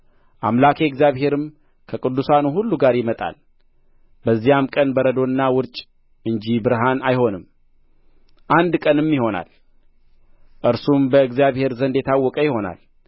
አምላኬ እግዚአብሔርም ከቅዱሳኑ ሁሉ ጋር ይመጣል በዚያም ቀን በረዶና ውርጭ እንጂ ብርሃን አይሆንም አንድ ቀንም ይሆናል እርሱም በእግዚአብሔር ዘንድ የታወቀ ይሆናል